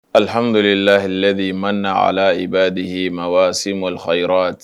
Lhamblahl de ma na a la i b'a dihi masi malohay